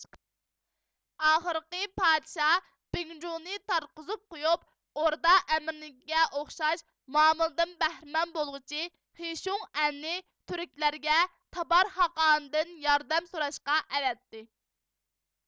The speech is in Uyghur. ئاخىرقى پادىشاھ بىڭجۇنى تارتقۇزۇپ قويۇپ ئوردا ئەمرىنىڭكىگە ئوخشاش مۇئامىلىدىن بەھرىمەن بولغۇچى خېشيۇڭئەننى تۈركلەرگە تابار خاقاندىن ياردەم سوراشقا ئەۋەتتى